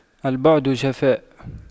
البعد جفاء